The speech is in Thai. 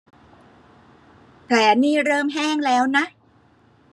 แผลนี่เริ่มแห้งแล้วนะ